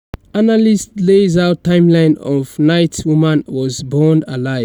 Analyst lays out timeline of night woman was burned alive